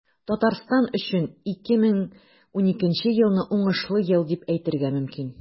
Татарстан өчен 2012 елны уңышлы ел дип әйтергә мөмкин.